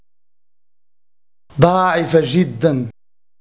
ضعيفه جدا